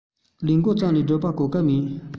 ལས མགོ བརྩམས ནས བསྒྲུབས པའི གོ སྐབས མེད